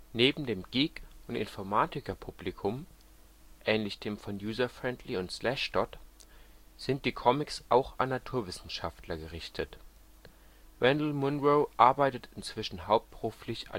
Neben dem Geek - und Informatiker-Publikum (ähnlich dem von User Friendly und Slashdot) sind die Comics auch an Naturwissenschaftler gerichtet. Randall Munroe arbeitet inzwischen hauptberuflich